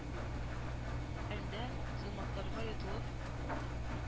Әлдә, зөлматларга йотылып,